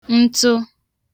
ntụ